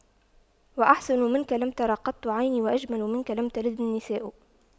وأحسن منك لم تر قط عيني وأجمل منك لم تلد النساء